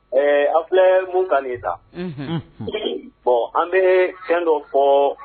Ɛɛ an filɛ mun ka le ta bon an bɛ fɛn dɔ fɔ